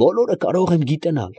Բոլորը կարող եմ գիտենալ։